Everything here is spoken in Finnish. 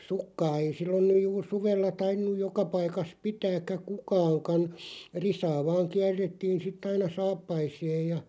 sukkaa ei silloin nyt juuri suvella tainnut joka paikassa pitääkään kukaankaan risaa vain kierrettiin sitten aina saappaisiin ja